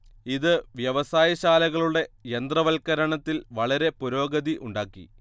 ഇത് വ്യവസായശാലകളുടെ യന്ത്രവൽക്കരണത്തിൽ വളരെ പുരോഗതി ഉണ്ടാക്കി